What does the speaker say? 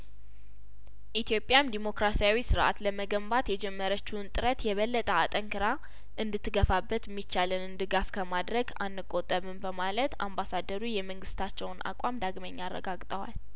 ኢትዮጵያም ዴሞክራሲያዊ ስርአት ለመገንባት የጀመረችውን ጥረት የበለጠ አጠንክራ እንድትገፋበት እሚቻለንን ድጋፍ ከማድረግ አንቆጠብም በማለት አምባሳደሩ የመንግስታቸውን አቋም ዳግመኛ አረጋግጠዋል